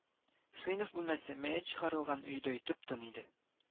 Сыйныф бүлмәсе мәет чыгарылган өйдәй тып-тын иде